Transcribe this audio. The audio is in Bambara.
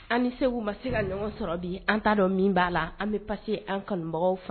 An se u ma se ka ɲɔgɔn sɔrɔ bi an t' dɔn min b'a la an bɛ pa an kanumɔgɔw faga